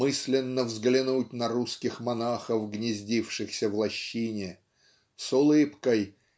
мысленно взглянуть на русских монахов, гнездившихся в лощине с улыбкой